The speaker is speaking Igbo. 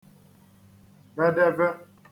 bedevē